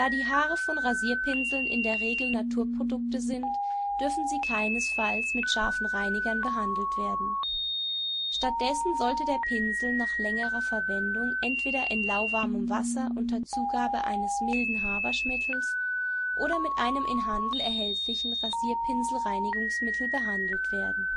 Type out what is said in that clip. die Haare von Rasierpinseln in der Regel Naturprodukte sind, dürfen sie keinesfalls mit scharfen Reinigern behandelt werden. Stattdessen sollte der Pinsel nach längerer Verwendung entweder in lauwarmem Wasser unter Zugabe eines milden Haarwaschmittels oder mit einem im Handel erhältlichen Rasierpinselreinigungsmittel behandelt werden